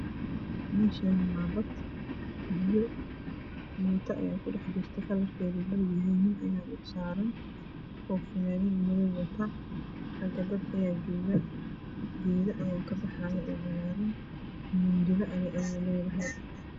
Meeshaani waa bad biyo mooto ayaa ku dhex jirto kalarkeedu madow yahay nin ayaa kor saaran oo fanaanad madow wata xaga dad ayaa jooga, geedo ayaa kabaxaayo oo cagaaran. mindiro ayay leedahay.